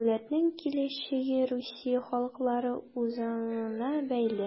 Дәүләтнең киләчәге Русия халыклары үзаңына бәйле.